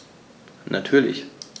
Natürlich.